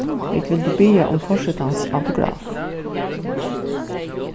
vil vildu biðja um forsetans autograf